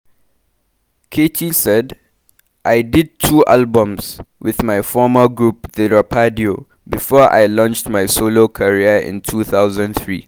Keyti : I did two albums (in 1998 and 2001) with my former group the Rapadio before I launched my solo career in 2003.